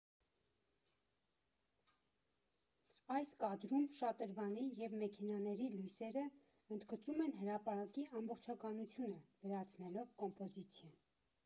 Այս կադրում շատրվանի և մեքենաների լույսերը ընդգծում են հրապարակի ամբողջականությունը, լրացնելով կոմպոզիցիան։